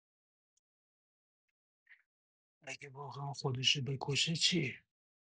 اگه واقعا خودشو بکشه چی؟